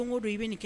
Ko don i bɛ' kɛ